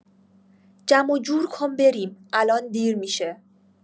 جمع‌وجور کن بریم الان دیر می‌شه